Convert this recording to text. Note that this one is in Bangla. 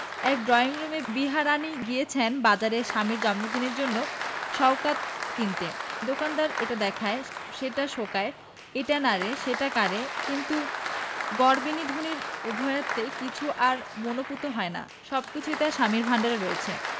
এক ড্রইংরুম বিহারীণী গিয়েছেন বাজারে স্বামীর জন্মদিনের জন্য সওগাত কিনতে দোকানদার এটা দেখায় সেটা শোঁকায় এটা নাড়ে সেটা কাড়ে কিন্তু গরবিনী ধনীর উভয়ার্থে কিছুই আর মনঃপূত হয় না সবকিছুই তার স্বামীর ভাণ্ডারে রয়েছে